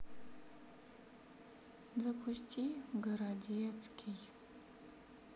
запусти городецкий